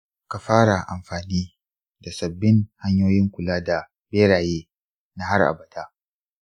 ka fara amfani da sabbin hanyoyin kula da beraye na har abada.